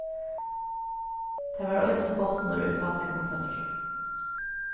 tað var eisini botnur í fátækum fólki